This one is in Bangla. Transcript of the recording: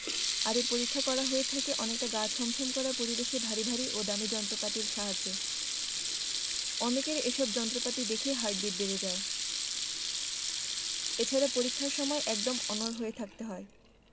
আর এই পরীক্ষা করা হয়ে থাকে অনেকটা গা ছমছম করা পরিবেশে ভারী ভারী ও দামি যন্ত্রপাতির সাহায্যে অনেকের এসব যন্ত্রপাতি দেখেই হার্টবিট বেড়ে যায় এছাড়া পরীক্ষার সময় একদম অনড় হয়ে থাকতে হয়